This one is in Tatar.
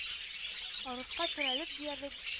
Арыкка терәлеп диярлек